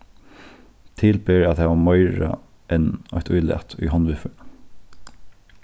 til ber at hava meira enn eitt ílat í hondviðførinum